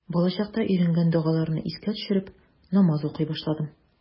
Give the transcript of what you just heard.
Балачакта өйрәнгән догаларны искә төшереп, намаз укый башладым.